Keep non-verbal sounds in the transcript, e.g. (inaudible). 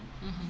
(hesitation) (hesitation)